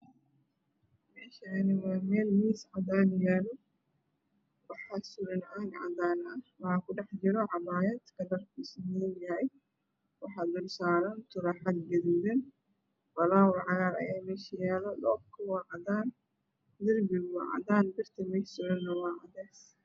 Meeshani waa meel miis cadaan ani yaalo waxaa suran caag cadaan ah waxaa kudhex jiro cabaayad kalarkisu madaw yahay waxaa dulsaaran turaaxad gududan falawar cagaar ah ayaa meesha yaalo dhoobku waa cadaan darbigu waa cadaan birts meesh Sudhana waa cadaysi